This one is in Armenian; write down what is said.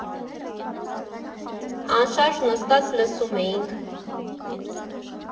Անշարժ նստած լսում էինք։